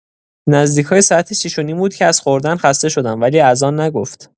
نزدیکای ساعت شیش و نیم بود که از خوردن خسته شدم ولی اذان نگفت!